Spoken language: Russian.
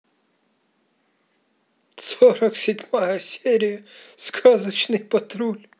сорок седьмая серия сказочный патруль